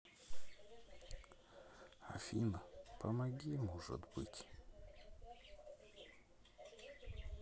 афина помоги может быть